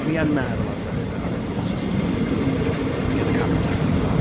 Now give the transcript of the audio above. O'n i yn meddwl ar y dechrau Olivia's just doing it like to get the camera time and all that.